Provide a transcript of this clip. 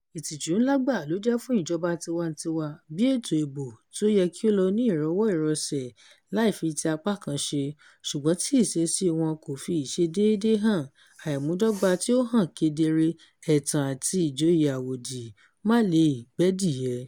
Ìtìjú ńlá gbáà ló jẹ́ fún ìjọba tiwantiwa, bí ètò ìbò tí o yẹ kí ó lọ ní ìrọwọ́-ìrọsẹ̀ láì fi ti apá kan ṣe, ṣùgbọ́n tí ìṣesíi wọn kò fi ìṣedéédé hàn, àìmúdọ́gba tí ó hàn kedere, ẹ̀tàn àti ìjòye àwòdì máà le è gbẹ́dìẹ.